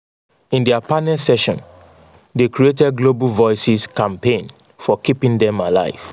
In their panel session, they credited Global Voices’ campaign for keeping them alive.